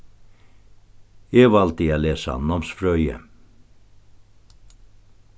eg valdi at lesa námsfrøði